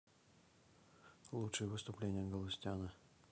лучшие выступления галустяна